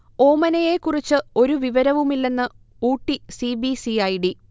ഓമനയെ കുറിച്ച് ഒരു വിവരവുമില്ലെന്ന് Ooty C. B. C. I. D